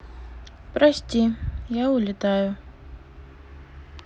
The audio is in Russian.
прости я улетаю